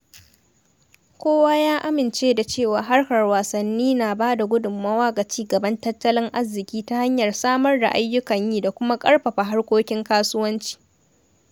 Kowa ya amince da cewa harkar wasanni na ba da gudunmawa ga ci gaban tattalin arziki ta hanyar samar da ayyukan yi da kuma ƙarfafa harkokin kasuwanci.